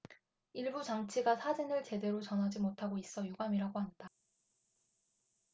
일부 장치가 사진을 제대로 전하지 못하고 있어 유감이라고 한다